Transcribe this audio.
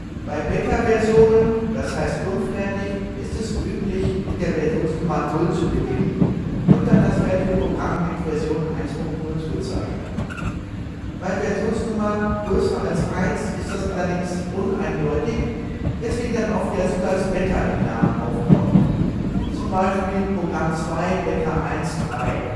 Bei Beta-Versionen (= unfertig) ist es üblich, mit der Versionsnummer 0 zu beginnen und dann das fertige Programm mit Version 1.0 zu bezeichnen. Bei Versionsnummer > 1 ist das allerdings uneindeutig, weswegen dann oft der Zusatz beta im Namen auftaucht (z. B. PROGRAMM 2 beta 1.3